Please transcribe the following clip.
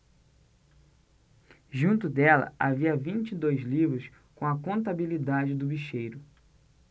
junto dela havia vinte e dois livros com a contabilidade do bicheiro